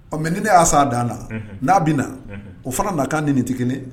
Ɔ mais ni ne y'a se a dan na, n'a bɛ na o fana nakan ni ni tɛ kelen ye.